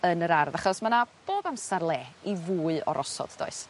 yn yr ardd achos ma' 'na bob amsar le i fwy o rosod does?